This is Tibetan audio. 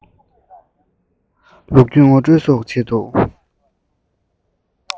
ལོ རྒྱུས རིག གནས སོགས ངོ སྤྲོད བྱས འདུག